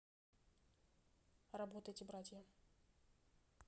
работайте братья